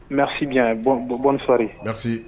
Nsi mi bɔnsari